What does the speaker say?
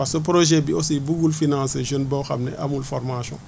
parce que projet bi aussi buggul financer jeune boo xam ne amul formation